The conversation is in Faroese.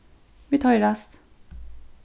vit hoyrast